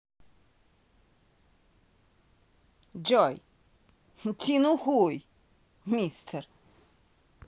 джой тину хуй мистер